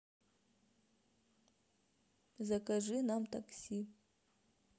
закажи нам такси